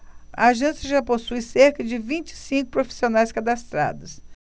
a agência já possui cerca de vinte e cinco profissionais cadastrados